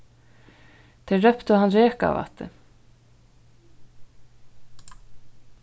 tey róptu hann rekavætti